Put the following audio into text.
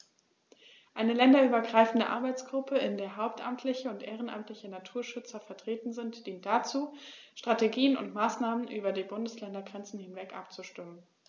Eine länderübergreifende Arbeitsgruppe, in der hauptamtliche und ehrenamtliche Naturschützer vertreten sind, dient dazu, Strategien und Maßnahmen über die Bundesländergrenzen hinweg abzustimmen.